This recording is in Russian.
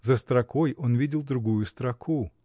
За строкой он видел другую строку.